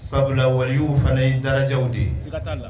Sabula wale y' fana dalajaw de ye